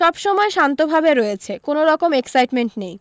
সব সময় শান্তভাবে রয়েছি কোনরকম এক্সাইটমেণ্ট নেই